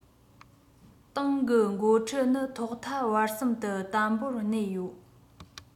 ཏང གི འགོ ཁྲིད ནི ཐོག མཐའ བར གསུམ དུ བརྟན པོར གནས ཡོད